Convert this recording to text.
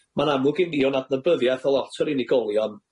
Ma'n amlwg gen i o'n adnabyddiaeth o lot o'r unigolion